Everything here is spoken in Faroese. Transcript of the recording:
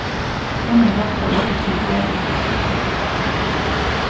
hon hevði havt tað lætt við fjarundirvísingini